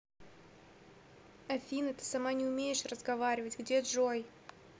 афина ты сама не умеешь разговаривать где джой